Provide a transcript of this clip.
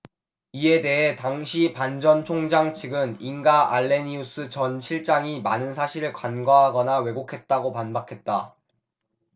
이에 대해 당시 반 전 총장 측은 잉가 알레니우스 전 실장이 많은 사실을 간과하거나 왜곡했다고 반박했다